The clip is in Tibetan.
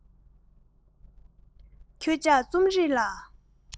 ཁྱོད ཅག རྩོམ རིག ལ